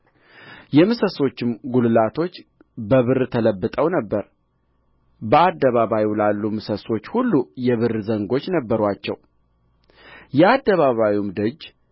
የምሰሶችም ጕልላቶች በብር ተለብጠው ነበር በአደባባዩ ላሉ ምሰሶች ሁሉ የብር ዘንጎች ነበሩአቸው የአደባባዩም ደጅ